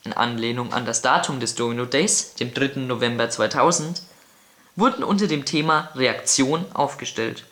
Anlehnung an das Datum des Domino Days, den 3. November 2000) wurden unter dem Thema „ Reaktion “aufgestellt